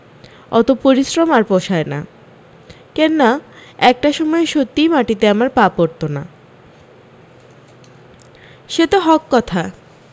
অতো পরিশ্রম আর পোষায় না কেন্না একটা সময়ে সত্যিই মাটিতে আমার পা পড়ত না সে তো হক কথা